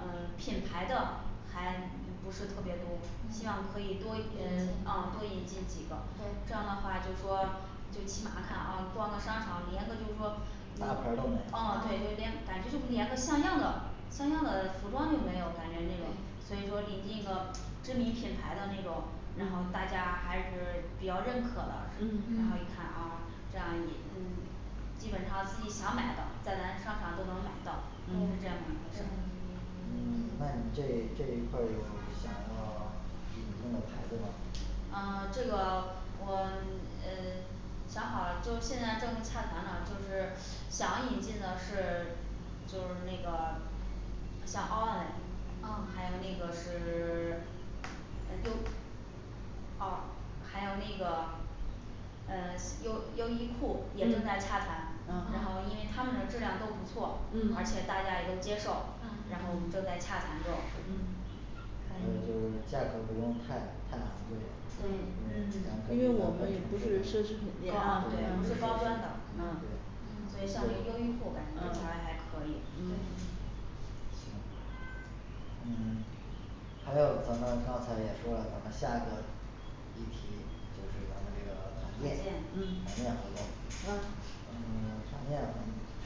嗯品牌的还不是特别多，希望可以多嗯啊多引进几个。对这样的话就说最起码看啊逛个商场连个就说大牌儿都没有啊对就连啊感觉就连个像样的像样的服装就没有感觉那种对，所以说引进一个知名品牌的那种，然后大家还是比较认可的，嗯然后一嗯看啊这样也嗯基本上自己想买的，在咱商场都能买到，是这对样的一回事儿。对嗯那你这这一块儿有想要引进的牌子吗嗯这个我呃想好了就现在正洽谈呢，就是想引进的是就是那个像奥恩莱还有嗯那个是 呃优哦还有那个嗯优优衣库也正在嗯洽谈，然呃后啊因为他们的质量都不错，而嗯且大家也都接受，然后嗯我们正在洽谈中嗯可还有以就是价格不用太太昂贵啊对嗯咱可因以为咱我们也们不不是是奢侈高品店嗯对不是高端的嗯所嗯以像那个优衣库感觉还下来嗯还可以。嗯还有咱们刚才也说了，咱们下个议题就是咱们这个团团建建。团嗯嗯建活动啊嗯团建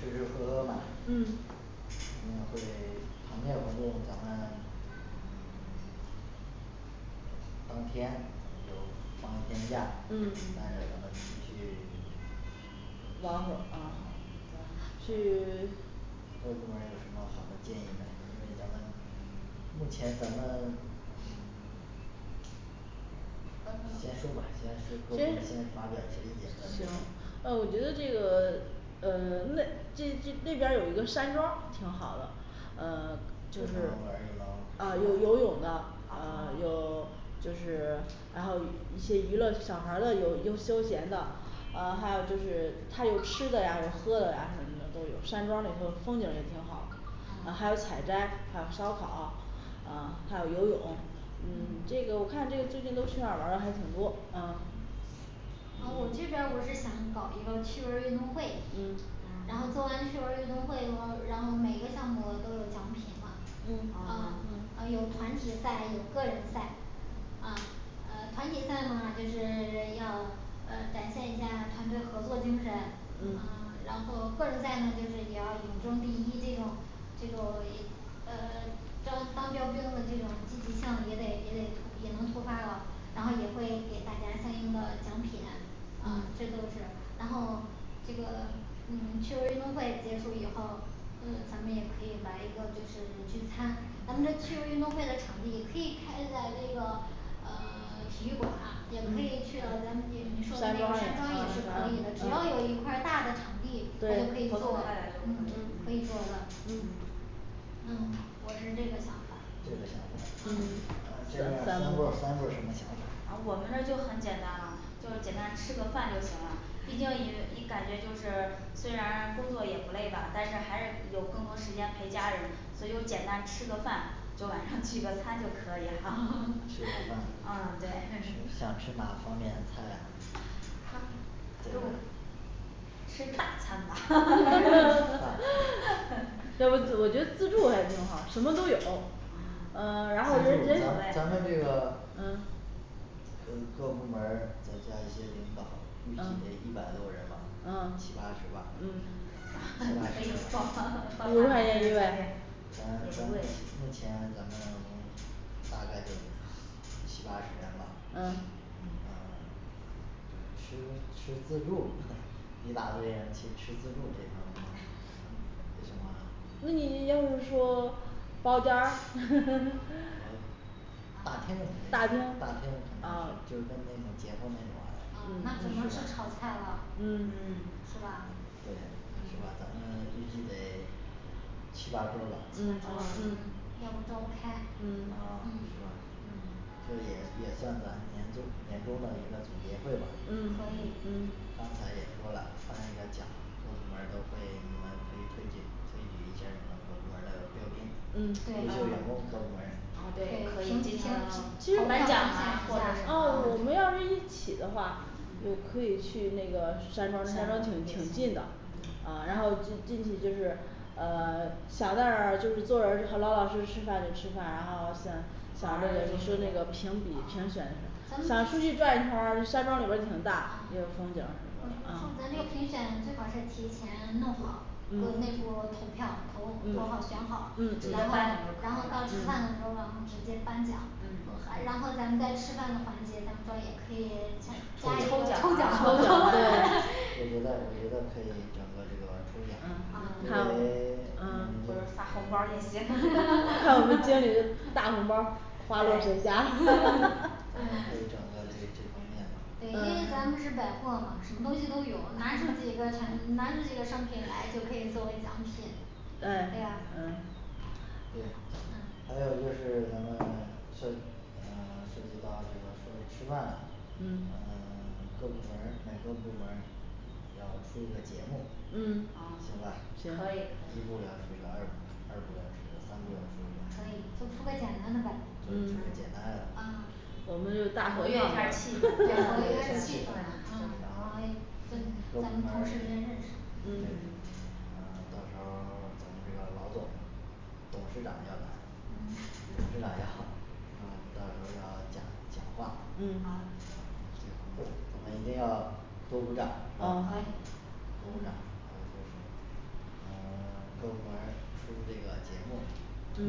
吃吃喝喝嘛，咱们嗯会团建活动咱们当天咱们就放一天假带着嗯咱们出去玩会儿啊咱去 各部门儿有什么好的建议没，为咱们，目前咱们 先说吧先说说先先发表一下儿意见再行说嗯我觉得这个 呃类这这这边儿有一个山庄儿挺好的呃去山庄儿玩就是儿一玩儿啊有游泳的，啊啊有就是然后一些娱乐小孩儿的，有有休闲的，啊还有就是，他有吃的啊有喝的啊什么的都有，山庄儿里头风景也挺好，啊还啊有采摘，还有烧烤啊还有游泳。嗯嗯这个我看这个最近都去那儿玩儿还挺多，嗯嗯然后我这边儿我是想搞一个趣味儿运动会嗯然后做啊完趣味儿运动会以后，然后每个项目有都有奖品嘛，嗯啊啊啊嗯有团体赛，有个人赛嗯嗯这都是然后这个嗯趣味儿运动会结束以后，嗯咱们也可以来一个就是聚餐，咱们这趣味儿运动会的场地可以开在这个呃 体育馆也可以去了，咱自己你说的山那庄个也山庄也是啊可以的，只要有一嗯啊块儿大的场地他就可对以活动做开了嗯嗯就可以可以做的嗯嗯嗯我是这个想这个想法法，那嗯嗯这边儿三三部儿三三部儿什么想法，啊我们这儿就很简单了，就是简单吃个饭就行了，毕竟一一感觉就是虽然工作也不累吧，但是还是有更多时间陪家人，所以就简单吃个饭，就晚上聚个餐就可以哈， 吃 个饭嗯对 想吃哪方面的菜啊汤肉吃大餐吧 要不我觉得自助还挺好，什么都有嗯。呃 然后人自人助咱嘞咱们这个嗯各部门儿再加一些领导，预计得啊一百多人吧啊七八十吧嗯 可 以邢台一个饭店也咱咱不目贵目前咱们大概就七八十人吧。嗯嗯吃吃自助， 一大堆人去吃自助这方面有什么那你要是说包间儿 大厅啊大大厅厅啊就餐厅里结婚那种大啊厅那就只能嗯吃是炒菜了是吧嗯嗯是吧对。是吧？咱们预计得七八桌儿吧，啊是嗯吧啊嗯要不坐不开嗯啊是吧嗯这也也算咱年终年终的一个总结会吧，嗯可以嗯刚才也说了发一个奖，各部门儿都可以你们可以推举，推举一下你们各部门儿标兵，嗯优秀对员工啊各部门儿啊对，对可以评进其实行颁奖啊或者什啊我嗯么们的要是一起的话，就可以去那个山山也庄儿山庄儿挺挺近行的，嗯啊然后进嗯进去就是呃 想在这儿就是坐着老老实实吃饭就吃饭然后想玩儿，啊咱想们出去转一圈儿，就山庄儿里边儿挺大也啊有风景什么的嗯啊说咱这个评选最好是提前弄好各个内嗯部投投票投投好嗯选好直，接嗯然后颁奖然后就可到吃以了饭嗯的时候啊直接颁奖嗯，然后咱们在吃饭的环节当中也可以加加一抽奖抽抽奖奖个， 活动 啊对我觉得我觉得可以整个这个抽奖因为可以整嗯个还这嗯这有方面的啊或者发红包儿也行 看我们 经理的大红包儿花落谁家 可以整个这这方面的对因为啊咱们一这是百货嘛什么东西都有，拿出去一个产拿出去一个商品来就 可以作为奖品哎嗯那嗯个对咱们还有就是咱们涉嗯涉及到这个出去吃饭的嗯嗯 各部门儿在公司里边儿要出一个节目嗯行好吧可以可以行一部要出一个二部出二部要出一个三部要可出一个以就出个简单的呗就出个简嗯单的啊我活们就大合跃一唱 下儿气对活氛跃一下儿气氛，嗯嗯啊就是然后也跟各部咱们门同事之间认儿识对嗯嗯嗯 到时候儿 咱们这个老总董事长要来嗯董事长要 到时候要讲讲话，你们啊嗯一定要多鼓掌可哦以多鼓掌还有就是嗯各部门儿出这个节目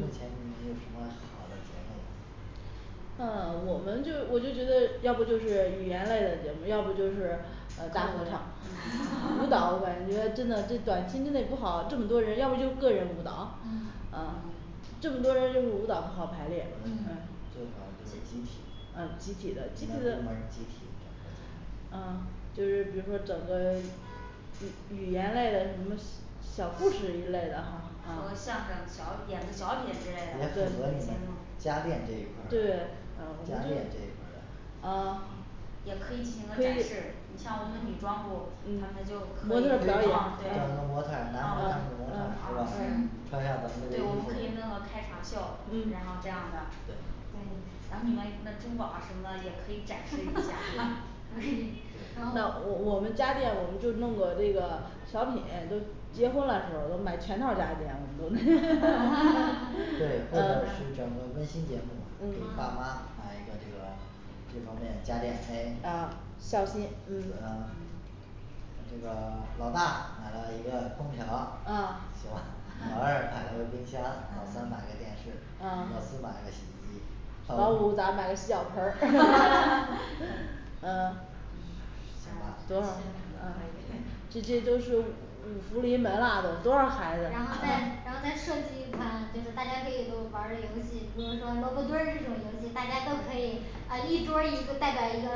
目前你们有什么好的节目啊我们就我就觉得要不就是语言类的节目，要不就是呃大歌合唱舞，舞类蹈我感 觉真的这短期之内不好这么多人，要不就个人舞蹈嗯，啊嗯这么多人就是舞蹈不好排练，嗯嗯最好就是集体的啊集体咱的集们体部的，门儿集体的啊就是比如说整个语语言类的什么小小故事一类的哈说啊个相声小演个小也品之类的符合你对家电这一块儿对嗯我的们，就家电这一块儿。啊也可以进行可个展以示，你像我们的女装部他们嗯就可以找个模模特特儿儿可表演以啊对嗯男模特儿啊女嗯模特儿啊是吧啊是嗯，挑下咱们这对个我们可衣服以弄个开场秀，然后嗯这样的对然后你们那珠宝啊什么的也可以展示一 下哈是一嗯那我我我们家电我们就弄个这个小品都结婚了时候儿都买全套儿家电我们 都。对 ，这啊个孝心。嗯是整个温馨节目，给嗯爸嗯妈买一个这个这方面家电诶啊孝心嗯这个老大买了一个空调啊是吧？老 二买了个冰箱，老三买个电视，老嗯四买个洗衣机老五给他买个洗脚盆儿，嗯行啦行，可以 然后再然后再设计一款，就是大家可以都玩儿的游戏，比如说萝卜墩儿这种游戏，大家都可以嗯一桌儿一个代表一个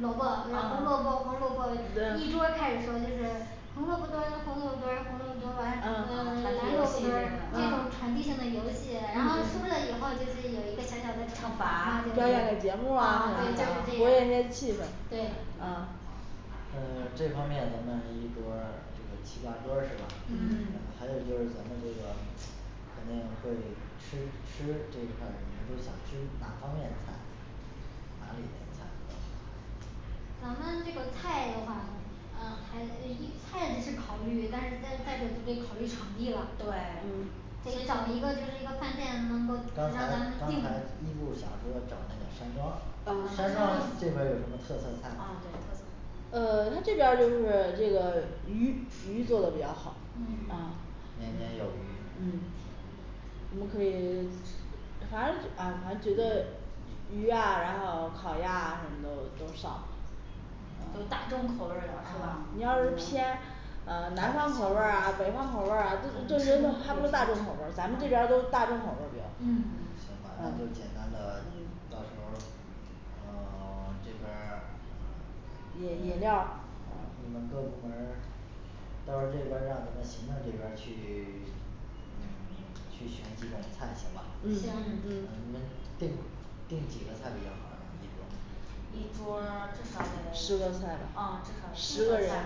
萝卜，红萝卜啊红萝卜一桌嗯，开始说就是红萝卜墩儿红萝卜墩儿红萝卜墩儿完呃啊白传递萝卜游戏墩儿，这什么的啊种啊传递性的游戏，然后输了以后就是有一个小小的惩罚啊表对演个啊啊对就是节目儿啊啊，活跃啊一下儿气这样氛对啊嗯这方面咱们一桌儿就是七八桌儿是吧嗯嗯嗯？还有就是咱们这个肯定会吃吃这一块儿，你们都想吃哪方面的菜？哪里的菜？咱们这个菜的话，嗯还呃一菜只是考虑，但是再再就得考虑场地了，得对嗯先找一个就是一个饭店能够让刚才咱们刚定才一部想说找那个山庄啊山山庄庄这边儿有什么特色菜嘛啊，对特色，呃他这边儿就是这个鱼鱼做的比较好鱼嗯啊年年有余嗯我们可以 吃反正哎呀反正觉得鱼啊然后烤鸭啊什么都都上。都啊大众口味儿的是吧？你要是偏啊南方口味儿啊北方口味儿啊就是嗯吃就也是行都，他都大众口味儿，咱们这边儿都是大众口味比较嗯行吧，那就简啊单的嗯到时候然后 这边儿啊饮饮料儿你们各部门儿到时候这边儿让咱们行政这边儿去 去选几个菜行吧，你嗯嗯行们嗯定订几个菜比较好一桌儿至少得十个菜啊至少十十个个菜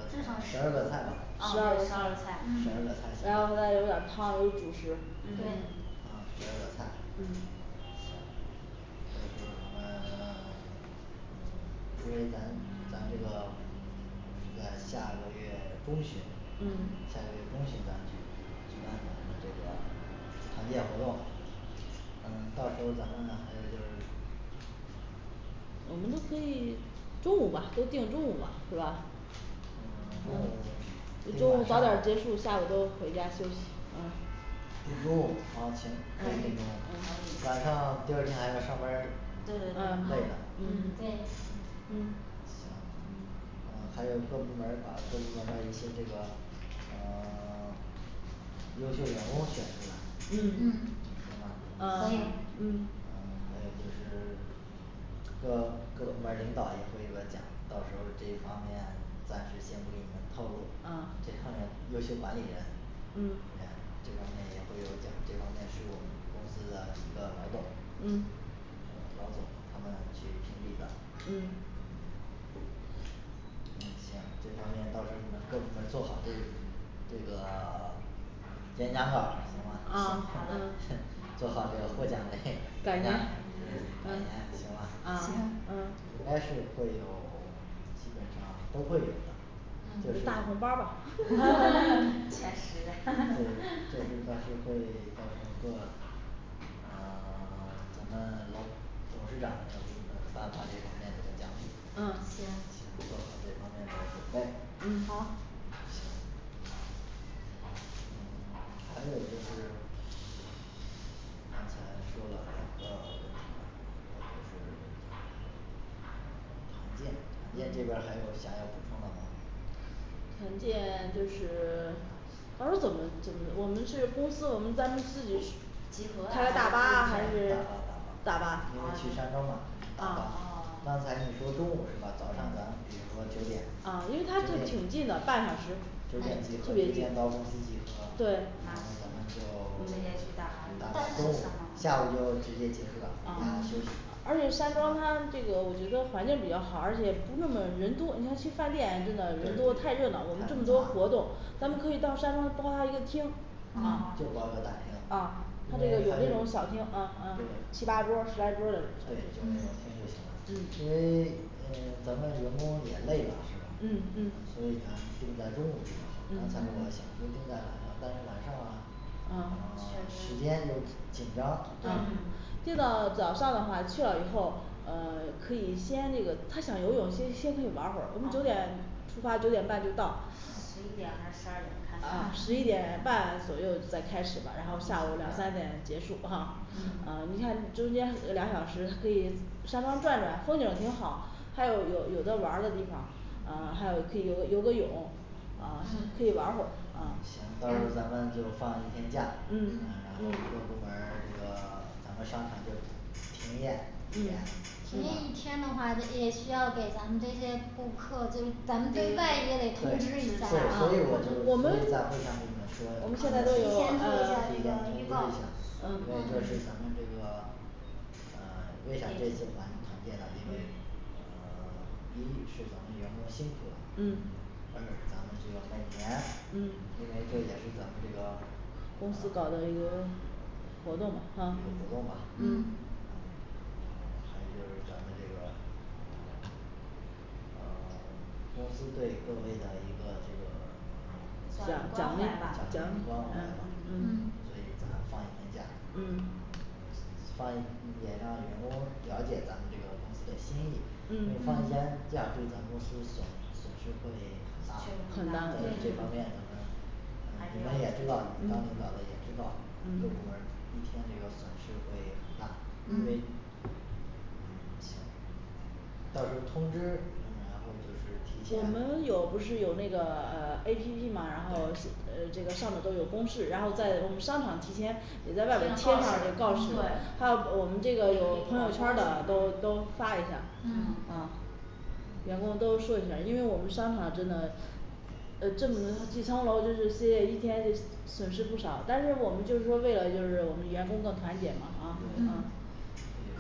嗯至个少菜十十二个个菜吧啊十二个对菜十二个嗯菜然后再有点儿汤有主食对啊十二个菜到时候咱们 因为咱咱这个在下个月中旬嗯下个月中旬。咱们就举办咱们这个团建活动嗯到时候咱们还有就是我们都可以。 中午吧都定中午嘛是吧？嗯嗯中中午午，可早以点儿晚结上束，下午都回家休息。嗯居住然后请可以啊啊早点晚上第二天还要上班儿，累的对对对啊累嗯的嗯嗯对嗯嗯还有各部门儿把各部门儿的一些这个嗯 优秀员工选出嗯嗯来，好吧，啊啊可还行以嗯有就是 各各部门儿领导也会来讲，到时候儿这方面暂时先不给你们透露啊这方面。优秀管理人嗯这方面也会有讲，这方面是我们公司的几个老总嗯，老总他们去评比的，嗯嗯嗯行这方面到时候你们各部门儿做好这这个 演讲稿儿。行吧，啊行好的嗯 做好这个获奖感言， 对感感言言行吧啊行嗯应啊该是会有。基本上都会有的。就是嗯，，大红包儿吧 钱实在对对到时 候儿会到时候儿做嗯 咱们董董事长要给你们颁发这个奖奖励啊，行做好这方面的准备嗯好行还有就是刚才说的就团建团建这边儿嗯还有想要补充的吗团建就是 他说怎么怎么，我们是公司，我们当时自己是集合啊开着大巴大巴还还是，，是自己对全啊，大巴大巴因为去山庄哦嘛，大巴啊啊刚才你说中午是吧，早上咱比如说九点啊，因为他这九挺点近的，半小时，对九点集特合九别近点，到公司集合，到那对时候咱行们就直，接 去大大巴巴中午下午就直接结束了，好好休啊嗯息而且山庄它这个我觉得环境比较好，而且不那么人多，你像去饭店真的人多太热闹，我们这么多活动咱们可以到山庄包上一个厅就嗯哦包个大啊厅他因这为个他有这这种小厅嗯嗯对七八桌儿十来桌儿的嗯嗯嗯嗯刚才嗯我嗯想说定在晚上，但是晚上啊啊确 实时间就紧张对嗯啊十一点还是十二点开嗯放十一点半左右再开始吧，然后下午两三点结束哈嗯嗯。你看中间两小时可以山庄转转风景挺好还有有有的玩儿的地方，嗯还有可以游游个泳，啊嗯可以玩儿会儿嗯嗯嗯行，到时候儿咱们就放一天假，啊嗯嗯让各部门儿这个咱们商场就停业一天嗯停业一天的话也需要给咱们这些顾客，就咱们对外给也对对所以我就，所以在会得通知一下啊，提前做一下这个预告嗯啊我们上给我你们们说呀现在都有这个通知一下因为啊是啊这嗯是咱们这个呃 为啥这次团团建呢因为嗯呃 一是咱们员工辛苦了嗯，二是咱们这个每年嗯因为这也是咱们这个公司搞的年终活动一个吧活啊动吧嗯嗯还有就是咱们这个呃公司对各位的一个这个算算关奖励怀奖品吧奖嗯关怀嗯嗯嗯所以咱放一天假嗯放一也让员工了解咱们这个公司的心意，因为一嗯嗯天假对咱们公司损失损失会确实很很大大的对这对方面嗯你们还。你们是要也知道成全当领嗯导的也知道，各部门嗯儿一天这个损失会很大，因为嗯行。到时候儿通知，然后就是提我前们有不是有那个 A P P嘛，然后对呃这个上面都有公示，然后在我们商场提前也贴在上外面告示儿告示嗯，还有我们这个有朋友圈的都都发一下儿。嗯嗯啊员工都说一下，因为我们商场真的呃证明最操劳就是歇业一天损失不少，但是我们就是说为了就是我们员工更团结嘛啊对啊嗯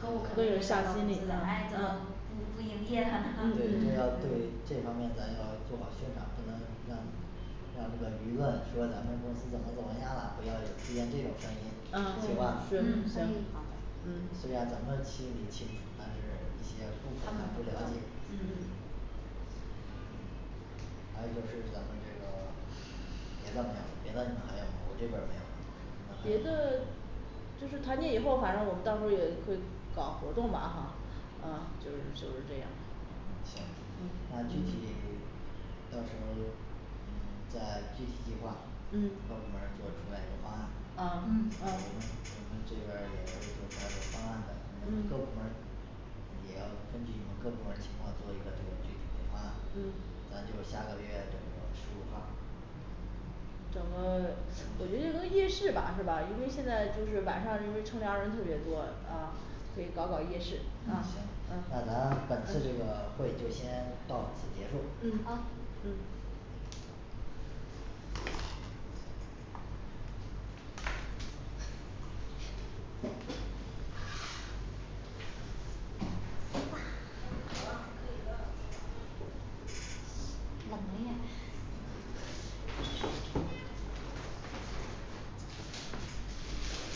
客户可能也感心里到，哎怎啊么嗯不不营业了对这嗯要对 这方面咱要做好宣传，不能让让这个舆论说咱们公司怎么怎么样啊，不要就出现这种声音，啊行吧对可嗯嗯行以好的虽然咱们心理清楚但是一些顾他客们还不不明白了解嗯还有就是咱们这个别的没有，别的你们还有没有我这边儿没有别你们还的就是团建以后，反正我们到时候也会搞活动嘛哈，嗯就是就是这样。行，嗯那具体到时候嗯再具体计划各嗯部门儿做出来一个方案，啊我们嗯啊我们这边儿也会做出来个方案的，你们各嗯部门儿也要根据你各部门儿情况做一个这个具体的方案。咱就下个月的十五号儿整个我觉得整个夜市吧是吧，因为现在就是晚上人群量还是特别多，啊可以搞搞夜市，啊行嗯那咱嗯本次这个会就先到此结束好嗯